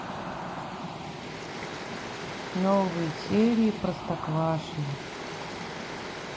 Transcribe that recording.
новые серии простоквашино